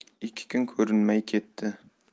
ikki kun ko'rinmay ketdi